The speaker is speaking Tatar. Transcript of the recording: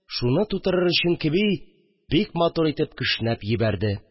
Шуны тутырыр өчен кеби, бик матур итеп кешнәп йибәрде